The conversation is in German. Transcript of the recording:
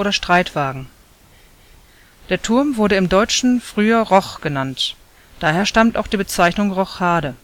Streitwagen ‘). Der Turm wurde im Deutschen früher Roch genannt; daher stammt auch die Bezeichnung Rochade